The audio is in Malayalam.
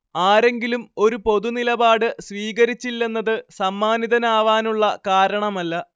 ആരെങ്കിലും ഒരു പൊതുനിലപാട് സ്വീകരിച്ചില്ലെന്നത് സമ്മാനിതനാവാനുള്ള കാരണമല്ല